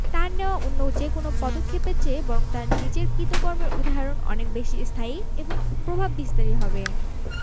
তাঁর নেওয়া অন্য যেকোনো পদক্ষেপের চেয়ে বরং তাঁর নিজের কৃতকর্মের উদাহরণ অনেক বেশি স্থায়ী এবং প্রভাববিস্তারী হবে